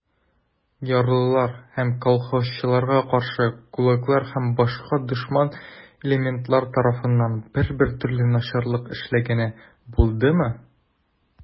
Ярлылар һәм колхозчыларга каршы кулаклар һәм башка дошман элементлар тарафыннан бер-бер төрле начарлык эшләнгәне булдымы?